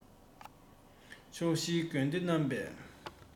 ཕྱོགས བཞིའི དགོན སྡེ རྣམ པས